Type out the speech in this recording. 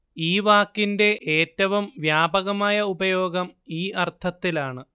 ഈ വാക്കിന്റെ ഏറ്റവും വ്യാപകമായ ഉപയോഗം ഈ അർത്ഥത്തിലാണ്